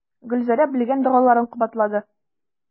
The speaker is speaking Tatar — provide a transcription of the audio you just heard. Гөлзәрә белгән догаларын кабатлады.